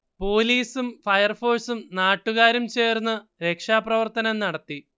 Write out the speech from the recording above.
പോലീസും ഫയർഫോഴ്സും നാട്ടുകാരും ചേർന്ന് രക്ഷാപ്രവർത്തനം നടത്തി